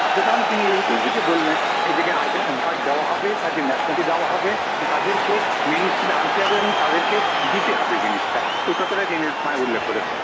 সুতরাং তিনি এই পরিপ্রেক্ষিতে বললেন তাদেরকে আইডেন্টিটি কার্ড দেয়া হবে তাদেরকে নেশনালিটি দেওয়া হবে তাদেরকে মেইনস্ট্রিমে আনতে হবে এবং তাদেরকে দিতে হবে জিনিসটা এই কথাটা তিনি উল্লেখ করেছেন